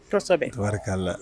Kosɛbɛ. tabaarika la.